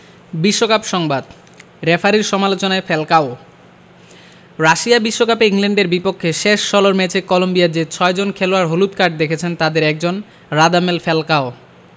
বিশ্বকাপ সংবাদ রেফারির সমালোচনায় ফ্যালকাও রাশিয়া বিশ্বকাপে ইংল্যান্ডের বিপক্ষে শেষ ষোলোর ম্যাচে কলম্বিয়ার যে ছয়জন খেলোয়াড় হলুদ কার্ড দেখেছেন তাদের একজন রাদামেল ফ্যালকাও